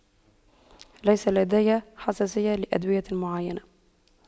ليس لدي حساسية لأدوية معينة